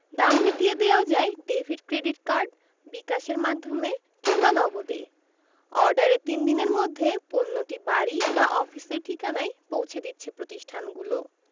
দাম মিটিয়ে দেওয়া যায় ডেভিড ক্রেডিট কার্ড বিকাশের মাধ্যমে কিংবা নগদে অর্ডারের তিন দিনের মধ্যে পণ্যটি বাড়ি বা অফিসের ঠিকানায় পৌঁছে দিচ্ছে প্রতিষ্ঠানগুলো